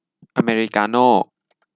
อเมริกาโน่